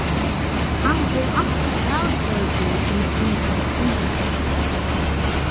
hann er altíð avgjørdur í tí hann sigur